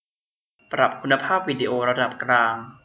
ปรับคุณภาพวิดีโอระดับกลาง